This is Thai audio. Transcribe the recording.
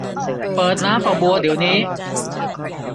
เปิดน้ำฝักบัวเดี๋ยวนี้